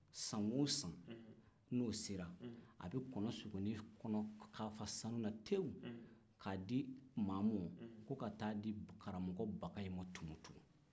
san o san a bɛ kɔnɔsogoni kan fa sanu na tewu k'a di maa ma ko ka t'a di karamɔgɔ bakayi ma tumutu